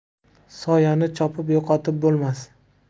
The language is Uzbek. soyani chopib yo'qotib bo'lmas